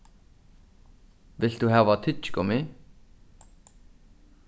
vilt tú hava tyggigummi